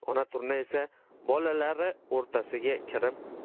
ota turna esa bolalari o'rtasiga kirib